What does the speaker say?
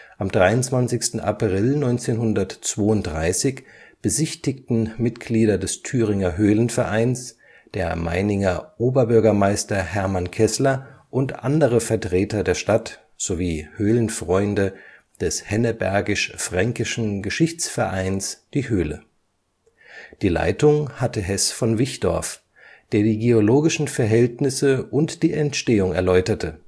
Am 23. April 1932 besichtigten Mitglieder des Thüringer Höhlenvereins, der Meininger Oberbürgermeister Hermann Keßler und andere Vertreter der Stadt sowie Höhlenfreunde des Hennebergisch-Fränkischen Geschichtsvereins die Höhle. Die Leitung hatte Heß von Wichdorf, der die geologischen Verhältnisse und die Entstehung erläuterte